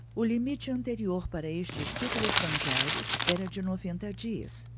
o limite anterior para estes títulos bancários era de noventa dias